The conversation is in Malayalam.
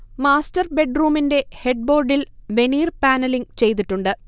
മാസ്റ്റർ ബെഡ്റൂമിന്റെ ഹെഡ് ബോർഡിൽ വെനീർ പാനലിങ് ചെയ്തിട്ടുണ്ട്